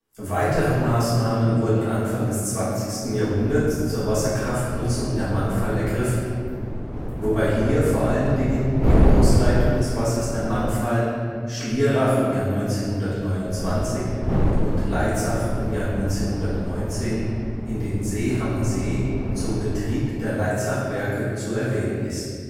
Weitere Maßnahmen wurden Anfang des 20. Jahrhunderts zur Wasserkraftnutzung der Mangfall ergriffen, wobei hier vor allen Dingen die Ausleitung des Wassers der Mangfall, Schlierach (1929) und Leitzach (1919) in den Seehamer See zum Betrieb der Leitzachwerke zu erwähnen ist